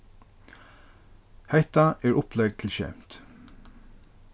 hetta er upplegg til skemt